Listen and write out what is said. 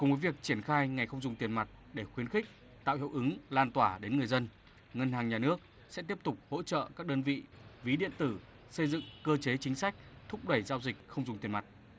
cùng với việc triển khai ngày không dùng tiền mặt để khuyến khích tạo hiệu ứng lan tỏa đến người dân ngân hàng nhà nước sẽ tiếp tục hỗ trợ các đơn vị ví điện tử xây dựng cơ chế chính sách thúc đẩy giao dịch không dùng tiền mặt